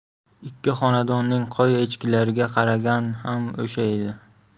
ikki xonadonning qo'y echkilariga qaragan ham o'sha edi